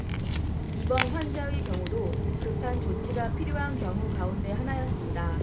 이번 환자의 경우도 급한 조치가 필요한 경우 가운데 하나였습니다